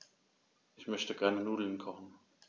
Ich möchte gerne Nudeln kochen.